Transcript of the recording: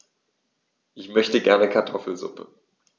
Ich möchte gerne Kartoffelsuppe.